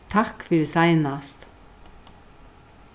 takk fyri seinast